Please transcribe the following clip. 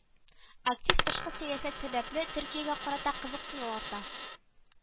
Актив тышкы сәясәт сәбәпле, Төркиягә карата кызыксыну арта